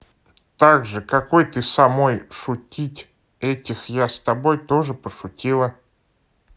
также какой ты самой шутить этих я с тобой тоже пошутила